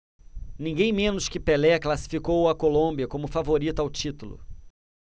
ninguém menos que pelé classificou a colômbia como favorita ao título